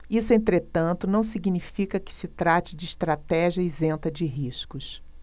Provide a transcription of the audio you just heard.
isso entretanto não significa que se trate de estratégia isenta de riscos